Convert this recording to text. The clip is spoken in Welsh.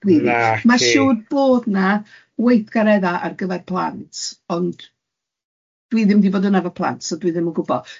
Dwi'n... Naci. Ma'n siŵr bod yna waithgaredda ar gyfer plant, ond dwi ddim wedi bod yna efo plant, so dwi ddim yn gwybod.